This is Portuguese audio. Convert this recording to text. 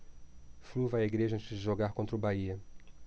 flu vai à igreja antes de jogar contra o bahia